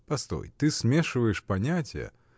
— Постой, ты смешиваешь понятия